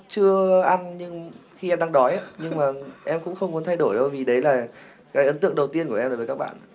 chưa ăn nhưng khi em đang đói ạ nhưng mà em cũng không muốn thay đổi đâu vì đấy là cái ấn tượng đầu tiên của em đối với các bạn